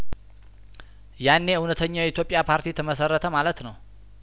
ያኔ እውነተኛው የኢትዮጵያ ፓርቲ ተመሰረት ማለት ነው